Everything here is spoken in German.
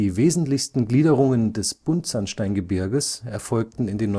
wesentlichsten Gliederungen des Buntsandsteingebirges erfolgten in den